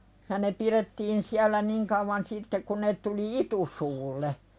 ja ne pidettiin siellä niin kauan sitten kun ne tuli itusuulle